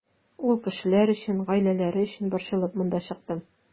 Ул кешеләр өчен, гаиләләре өчен борчылып монда чыктым.